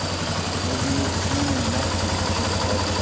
o'zingni jismonan mahv etishing lozim